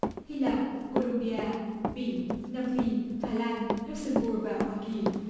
hy lạp cô lum bi a bỉ nam phi hà lan lúc xăm bua vào hoa kỳ